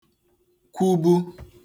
kwubu